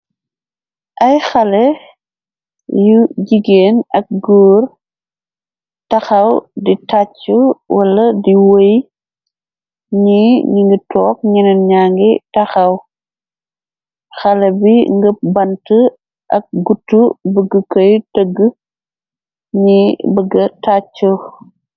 Ay xale yu jigeen ak góor taxaw di tàcc wala di wey ni ni ngi toog ñenen ñangi taxaw xalé bi ngëb bant ak gut bëgg koy tëgg ñi bëgga tàcc.